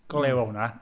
Go lew oedd hwnna.